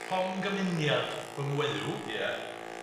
Rhongymuniad fy ngweuw ia